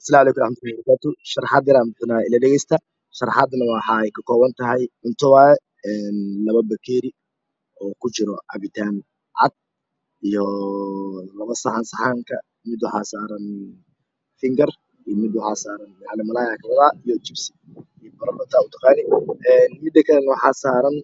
Asc waraxmatu lahi wabarakaato waxan bixinayaa sharxaad ila dhageysta sharaxaadane waxaa waayo cunto labo bakeeri uukujiro cabitaan cad iyo labo saxan mid waxaa saaran malaaay mida kale waxaa saaran